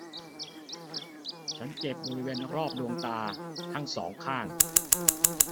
ฉันเจ็บบริเวณรอบดวงตาทั้งสองข้าง